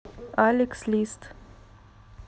алекс лист